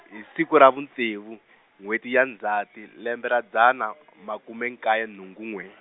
hi siku ra vu ntsevu, n'wheti ya Ndzhati lembe ra dzana makume nkaye nhungu n'we.